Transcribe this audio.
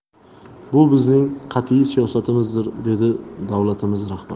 bu bizning qat'iy siyosatimizdir dedi davlatimiz rahbari